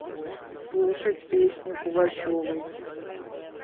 слушать песню пугачевой